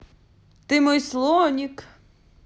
ты мой слоник